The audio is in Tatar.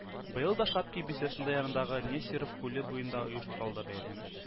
Быел да Шапки бистәсендә ягындагы Нестеров күле буенда оештырылды бәйрәм